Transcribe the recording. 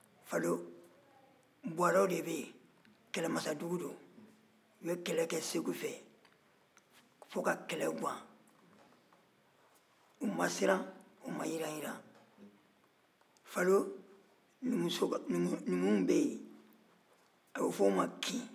falo buwarɛw de bɛ yen kɛlɛmasadugu don u ye kɛlɛ kɛ segu fɛ fɔ kɛlɛ gan u ma siran u yiran-yiran falo numuw bɛ yen a bɛ fɔ o ma kin